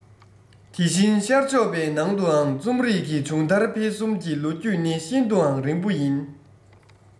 དེ བཞིན ཤར ཕྱོགས པའི ནང དུའང རྩོམ རིག གི བྱུང དར འཕེལ གསུམ གྱི ལོ རྒྱུས ནི ཤིན ཏུའང རིང པོ ཡིན